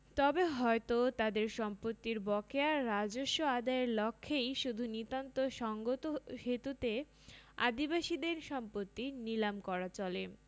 তবে হয়ত তাদের সম্পত্তির বকেয়া রাজস্ব আদায়ের লক্ষেই শুধু নিতান্ত সঙ্গতহেতুতে আদিবাসীদের সম্পত্তি নীলাম করা চলে